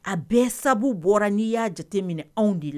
A bɛɛ sabu bɔra n'i y'a jate minɛ anw de la